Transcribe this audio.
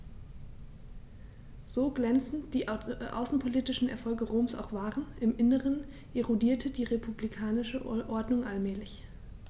So glänzend die außenpolitischen Erfolge Roms auch waren: Im Inneren erodierte die republikanische Ordnung allmählich.